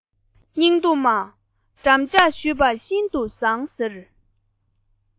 སྙིང སྡུག མ འགྲམ ལྕག གཞུས པ ཤིན དུ བཟང ཟེར